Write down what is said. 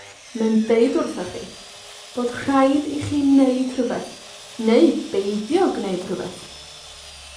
Mae'n deud wrthoch chi bod rhaid i chi neud rhwbeth neu beidio gwneud rwbeth.